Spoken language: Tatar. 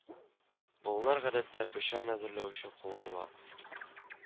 Болыннар гадәттә печән әзерләү өчен кулланыла